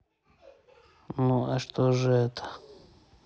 ну а что же это